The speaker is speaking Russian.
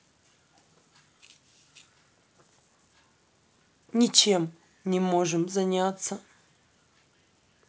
ничем не можем заняться